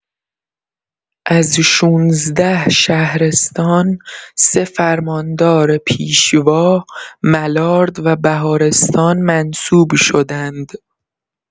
از ۱۶ شهرستان، سه فرماندار پیشوا، ملارد و بهارستان منصوب شدند.